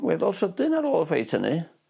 weddol sydyn ar ôl y feit hynny.